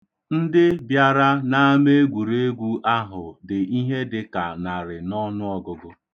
Ndị bịara n'ameegwuregwu ahụ dị ihe dịka narị n'ọnụọgụgụ.